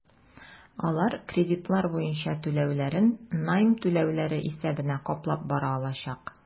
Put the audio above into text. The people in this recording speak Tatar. Алар кредитлар буенча түләүләрен найм түләүләре исәбенә каплап бара алачак.